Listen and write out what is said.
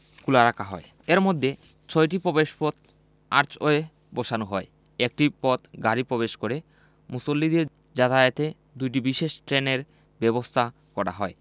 খোলা রাখা হয় এর মধ্যে ছয়টি প্রবেশপথে আর্চওয়ে বসানো হয় একটি পথ গাড়ি প্রবেশ করে মুসল্লিদের যাতায়াতে দুটি বিশেষ ট্রেনের ব্যবস্থা করা হয়